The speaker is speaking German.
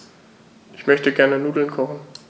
Ich möchte gerne Nudeln kochen.